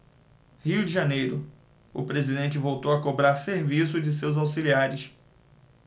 rio de janeiro o presidente voltou a cobrar serviço de seus auxiliares